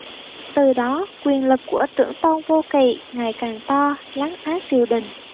từ đó quyền lực của trưởng tôn vô kị ngày càng to lấn át triều đình